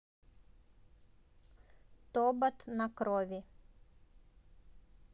тобот на крови